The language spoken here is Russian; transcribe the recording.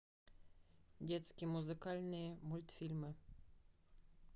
детские музыкальные мультфильмы